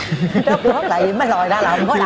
trớt bới tầy mới nòi ra là không có độc